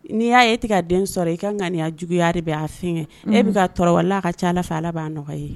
N'i y'a ye e tigɛ den sɔrɔ i ka ŋaniya juguyaya de bɛ'a fiɲɛ kɛ e bɛ ka wala ka ca ala fɛ ala b'a nɔgɔ ye